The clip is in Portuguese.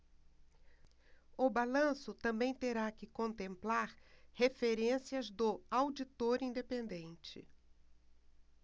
o balanço também terá que contemplar referências do auditor independente